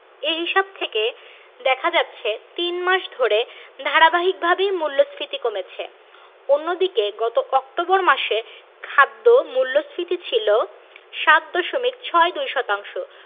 এ হিসাব থেকে দেখা যাচ্ছে তিন মাস ধরে ধারাবাহিকভাবেই মূল্যস্ফীতি কমেছে অন্যদিকে গত অক্টোবর মাসে খাদ্য মূল্যস্ফীতি ছিল ৭ দশমিক ৬২ শতাংশ